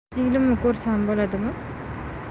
singlimni ko'rsam bo'ladimi